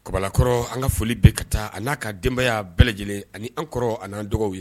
Kababakɔrɔ an ka foli bɛ ka taa a n'a ka denbaya bɛɛ lajɛlen ani an kɔrɔ ani' dɔgɔ ye